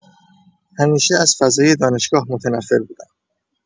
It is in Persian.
همیشه از فضای دانشگاه متنفر بودم.